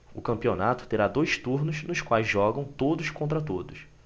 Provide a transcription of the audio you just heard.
o campeonato terá dois turnos nos quais jogam todos contra todos